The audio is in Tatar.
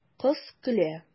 Кыз көлә.